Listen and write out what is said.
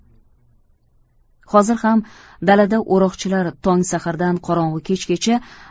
hozir ham dalada o'roqchilar tong sahardan qorong'i kechgacha